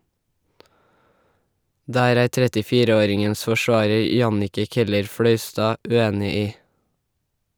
Der er 34-åringens forsvarer Jannicke Keller-Fløystad uenig i.